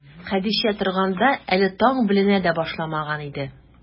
Хәдичә торганда, әле таң беленә дә башламаган иде.